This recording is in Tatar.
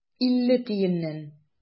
Илле тиеннән.